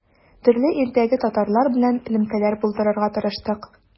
Төрле илдәге татарлар белән элемтәләр булдырырга тырыштык.